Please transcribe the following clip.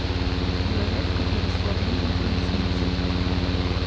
зарядка для расслабления поясницы